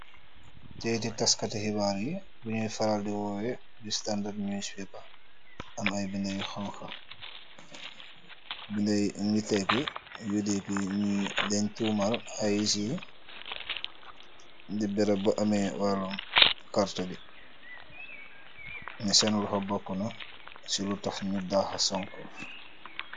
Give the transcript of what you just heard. Keyti tass kati xibaar bunyu farar di woyeh d standard news paper aam ay benda yu xonxa benda yi nyugi tegi UDP mee denn tumal IEC de berem bu aam walum karta bi neh seen loxo boka na si lutah nu daha sonk.